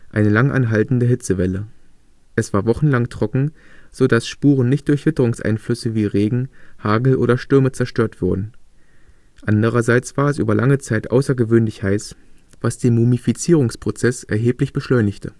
eine langanhaltende Hitzewelle. Es war wochenlang trocken, so dass Spuren nicht durch Witterungseinflüsse wie Regen, Hagel oder Stürme zerstört wurden. Andererseits war es über lange Zeit außergewöhnlich heiß, was den Mumifizierungsprozess erheblich beschleunigte